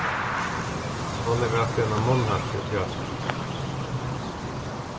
hon hevur altíð eina munnharpu uppi á sær